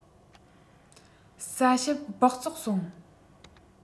ས ཞབ སྦགས བཙོག སོང